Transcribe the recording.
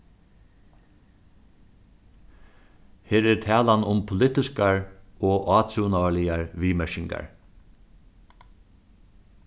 her er talan um politiskar og átrúnaðarligar viðmerkingar